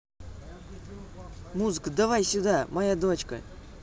музыка давай сюда моя дочка